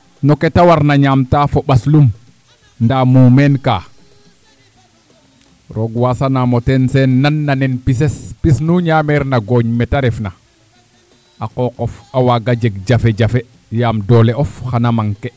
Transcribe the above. no keeta warna o ñaamta fo ɓaslum nda muumeen ka roog waasanaam o ten Seen nand nena pises pis nu ñaameer na gooñ meeta refna a qooqof a waaga jeg jafe-jafe yaam doole of xana manquer